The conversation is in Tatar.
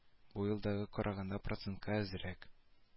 Бу елдагыга караганда процентка азрак